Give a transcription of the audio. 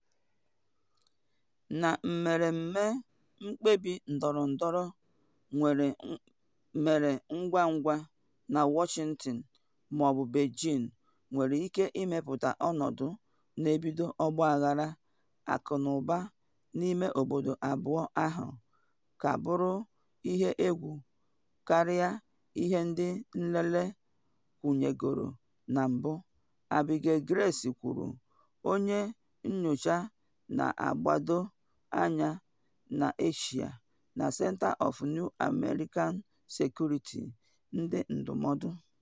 “Na mmereme mkpebi ndọrọndọrọ mere ngwangwa na Washington ma ọ bụ Beijing nwere ike ịmepụta ọnọdụ na ebido ọgbaghara akụnụba n’ime otu obodo abụọ ahụ ka bụrụ ihe egwu karịa ihe ndị nlele kwenyegoro na mbụ,” Abigail Grace kwuru, onye nyocha na agbado anya na Asia na Center for New American Security, ndị ndụmọdụ.